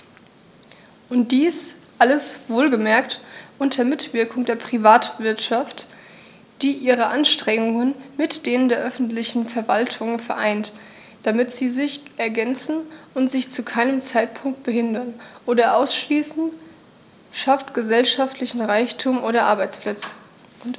Und dies alles - wohlgemerkt unter Mitwirkung der Privatwirtschaft, die ihre Anstrengungen mit denen der öffentlichen Verwaltungen vereint, damit sie sich ergänzen und sich zu keinem Zeitpunkt behindern oder ausschließen schafft gesellschaftlichen Reichtum und Arbeitsplätze.